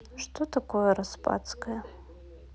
что такое распадское